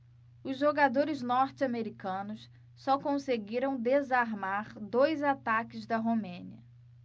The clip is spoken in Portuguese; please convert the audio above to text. os jogadores norte-americanos só conseguiram desarmar dois ataques da romênia